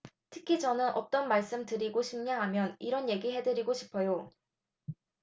특히 저는 어떤 말씀 드리고 싶냐하면 이런 얘기 해드리고 싶어요